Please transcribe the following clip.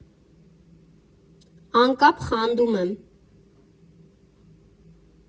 Անկապ խանդում եմ։